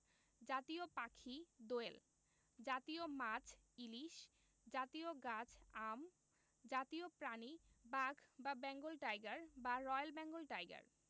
জাতীয় পাখিঃ দোয়েল জাতীয় মাছঃ ইলিশ জাতীয় গাছঃ আম জাতীয় প্রাণীঃ বাঘ বা বেঙ্গল টাইগার বা রয়েল বেঙ্গল টাইগার